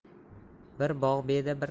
bir bog' beda bir